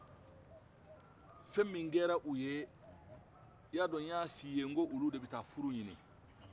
fɛn min kɛra u ye yarɔ n y'a f'i ko olu de bɛ taa furu ɲini